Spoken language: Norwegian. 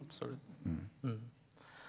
absolutt.